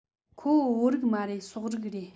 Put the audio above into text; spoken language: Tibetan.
ཁོ བོད རིགས མ རེད སོག རིགས རེད